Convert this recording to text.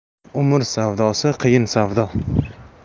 umr savdosi qiyin savdo